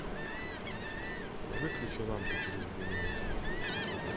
выключи лампу через две минуты